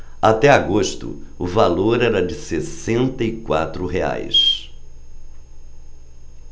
até agosto o valor era de sessenta e quatro reais